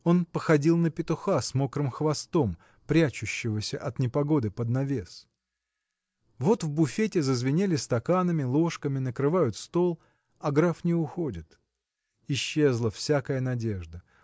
Он походил на петуха с мокрым хвостом прячущегося от непогоды под навес. Вот в буфете зазвенели стаканами ложками накрывают стол а граф не уходит. Исчезла всякая надежда.